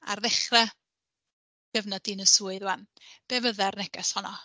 Ar ddechrau dy gyfnod di yn y swydd 'wan, be fyddai'r neges honno?